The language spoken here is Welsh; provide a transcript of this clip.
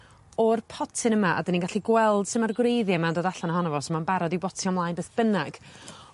o'r potyn yma a 'dyn ni'n gallu gweld su' ma'r gwreiddie 'ma'n dod allan ohono fo so ma'n barod i'w botio mlaen beth bynnag